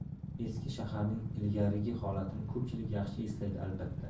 eski shaharning ilgarigi holatini ko'pchilik yaxshi eslaydi albatta